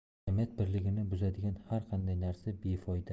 jamiyat birligini buzadigan har qanday narsa befoyda